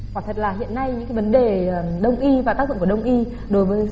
quả thật là hiện nay những vấn đề đông y và tác dụng của đông y đối với